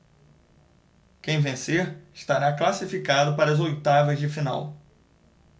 quem vencer estará classificado para as oitavas de final